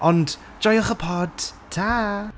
Ond, joiwch y pod, ta!